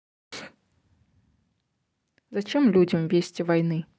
зачем людям вести войны